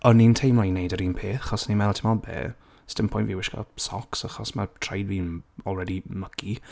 O'n i'n teimlo i wneud yr un peth, achos o'n i'n meddwl, timod be, sdim point i fi wisgo socks, achos ma' traed fi'n already mucky.